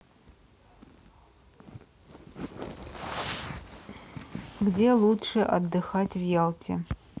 где лучше отдыхать в ялте